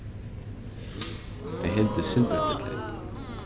tey hildu silvurbrúdleyp